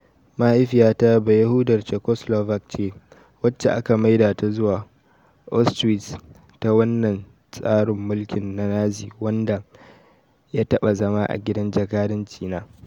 Mahaifiyata bayahudiyar Czechoslovak ce wacce aka maida ta zuwa Auschwitz ta wannan tsarin mulkin na Nazi wanda ya taba zama a gidan jakadanci na.